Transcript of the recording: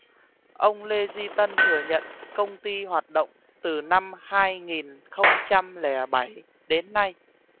ông lê duy tân thừa nhận công ty hoạt động từ năm hai nghìn không trăm lẻ bảy đến nay